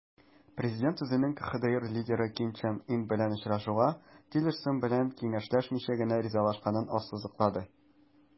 Президент үзенең КХДР лидеры Ким Чен Ын белән очрашуга Тиллерсон белән киңәшләшмичә генә ризалашканын ассызыклады.